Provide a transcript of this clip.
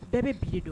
Bɛɛ bɛ bii don